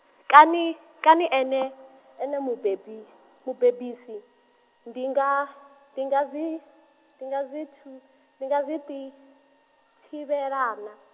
-s kani, kani ene, ene mubebi mubebisi, ndi nga, ndi nga zwi, ndi nga zwithu, ndi nga zwiti, thivhelana?